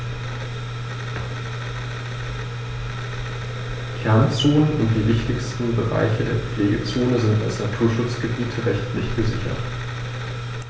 Kernzonen und die wichtigsten Bereiche der Pflegezone sind als Naturschutzgebiete rechtlich gesichert.